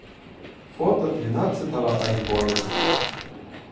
фото двенадцатого айфона